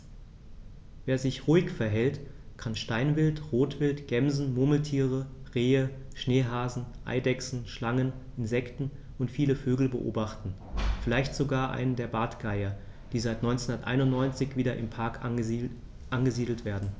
Wer sich ruhig verhält, kann Steinwild, Rotwild, Gämsen, Murmeltiere, Rehe, Schneehasen, Eidechsen, Schlangen, Insekten und viele Vögel beobachten, vielleicht sogar einen der Bartgeier, die seit 1991 wieder im Park angesiedelt werden.